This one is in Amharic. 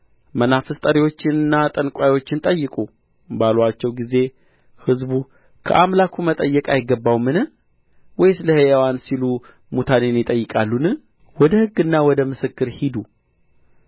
መናፍስት ጠሪዎችንና ጠንቋዮችን ጠይቁ ባሉአችሁ ጊዜ ሕዝቡ ከአምላኩ መጠየቅ አይገባውምን ወይስ ለሕያዋን ሲሉ ሙታንን ይጠይቃሉን ወደ ሕግና ወደ ምስክር ሂዱ